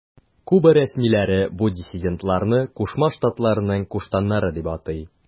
Куба рәсмиләре бу диссидентларны Кушма Штатларның куштаннары дип атый.